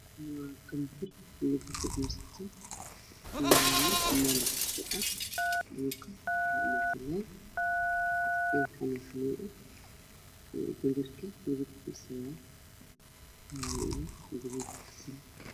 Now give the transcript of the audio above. Waa gember lagu fariisto oo yalo jiko dhulka waa mutuneel xanilxanil ah gembarka midabkiisa waa jalo iyo gaduud casaan